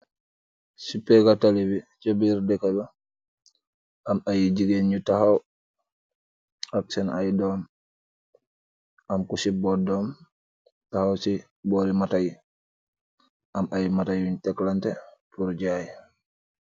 Se pega talle bi sa birr deka ba am aye jegain yu tahaw ak sen aye dome, am kuse bote dome tahaw se boree mata yee, am aye mata yun teklante purr jaye.